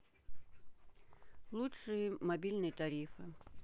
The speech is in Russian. лучшие мобильные тарифы